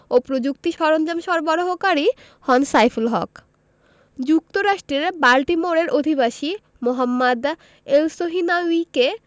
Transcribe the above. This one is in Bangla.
ও প্রযুক্তি সরঞ্জাম সরবরাহকারী হন সাইফুল হক যুক্তরাষ্ট্রের বাল্টিমোরের অধিবাসী মোহাম্মদ এলসহিনাউয়িকে